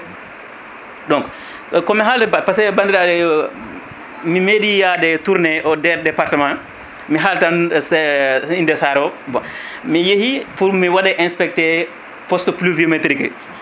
donc komi haalde pasque bandira mi meeɗi yaade tourné o nder département mi haal tan e nder Saara o bon mi yeehi pour mi waɗe inspecté poste pluviométrique e